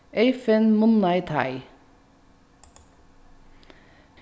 eyðfinn munnaði teig